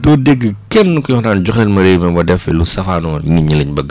doo dégg kenn kuy wax naan jox leen ma réew mi ma def fi lu safaanoog nit ñi liñ bëgg